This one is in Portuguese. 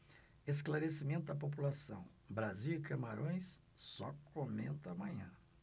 esclarecimento à população brasil e camarões só comento amanhã